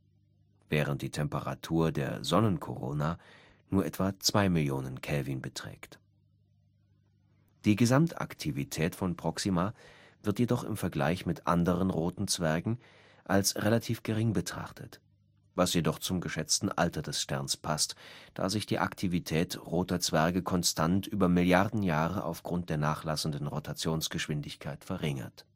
während die Temperatur der Sonnenkorona nur etwa 2 Millionen K beträgt. Die Gesamtaktivität von Proxima wird jedoch im Vergleich mit anderen roten Zwergen als relativ gering betrachtet, was jedoch zum geschätzten Alter des Sterns passt, da sich die Aktivität roter Zwerge konstant über Milliarden Jahre aufgrund der nachlassenden Rotationsgeschwindigkeit verringert